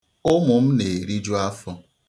Ụmụ m na-eriju afọ.